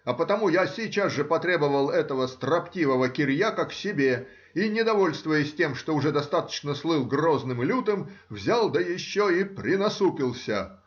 А потому я сейчас же потребовал этого строптивого Кириака к себе и, не довольствуясь тем, что уже достаточно слыл грозным и лютым, взял да еще принасупился